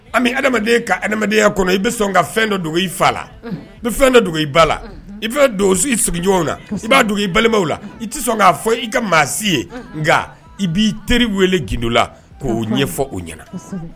Ami, adamaden ka adamadenya kɔnɔ, i bɛ sɔn ka fɛn dɔ dogo i fa la, unhun, i bɛ fɛn dɔ dogo i ba la ,unhun, i bɛ dogo i sidiɲɔgɔnw la, kosɛbɛ , i b'a dogo i balimaw la ,i tɛ sɔn k'a fɔ i ka maa si ye, unhun, nka i b'i teri weele dogo la k'o ɲɛfɔ o ɲɛna., kosɛbɛ